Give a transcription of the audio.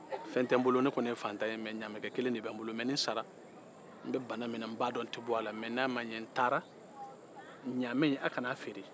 fɛn tɛ n kɔni ye faantan ye mɛ ɲamɛkɛkelen de bɛ n bolo mɛ ni n sara n bɛ bana min na n b'a dɔn n tɛ bɔ a la mɛ n'a ma ɲɛ n taara ɲamɛw a kan'a feere